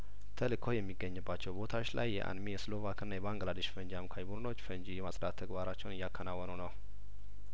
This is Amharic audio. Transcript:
ተልእኮው የሚገኝባቸው ቦታዎች ላይ የአንሚ የስሎቫክና የባንግላዴሽ የፈንጂ አምካኝ ቡድኖች ፈንጂ የማጽዳት ተግባራቸውን እያከናወኑ ነው